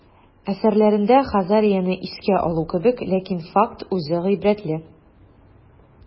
Әсәрләрендә Хазарияне искә алу кебек, ләкин факт үзе гыйбрәтле.